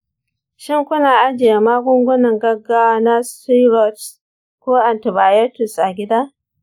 shin kuna ajiye magungunan gaggawa na steroids ko antibiotics a gida?